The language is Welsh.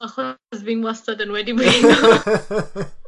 Achos fi'n wastad yn wedi blino.